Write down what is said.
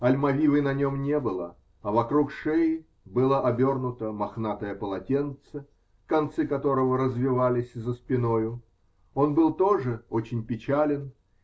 Альмавивы на нем не было, а вокруг шеи было обернуто мохнатое полотенце, концы которого развевались за спиною. Он был тоже очень печален